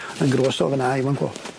Yn grôs o fan 'na i fan 'co.